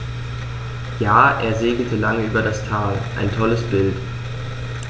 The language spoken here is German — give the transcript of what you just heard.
Ja, er segelte lange über das Tal. Ein tolles Bild!